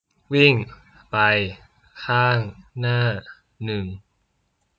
วิ่งไปข้างหน้าหนึ่ง